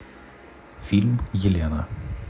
фильм елена